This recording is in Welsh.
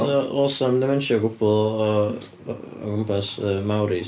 So oes na'm dementia o gwbl o o o gwmpas y Māoris?